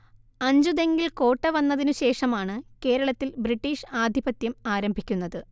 അഞ്ചുതെങ്ങിൽ കോട്ട വന്നതിനു ശേഷമാണു കേരളത്തിൽ ബ്രിട്ടീഷ്‌ ആധിപത്യം ആരംഭിക്കുന്നത്